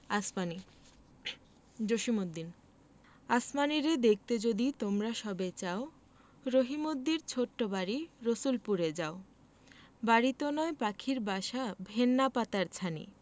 আসমানী জসিমউদ্দিন আসমানীরে দেখতে যদি তোমরা সবে চাও রহিমদ্দির ছোট্ট বাড়ি রসুলপুরে যাও বাড়িতো নয় পাখির বাসা ভেন্না পাতার ছানি